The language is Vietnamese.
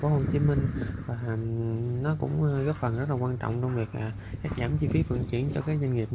thành phố hồ chí minh và nó cũng góp phần quan trọng trong việc giảm chi phí vận chuyển cho cá nhân